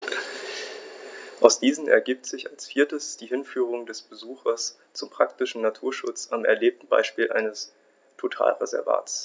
Aus diesen ergibt sich als viertes die Hinführung des Besuchers zum praktischen Naturschutz am erlebten Beispiel eines Totalreservats.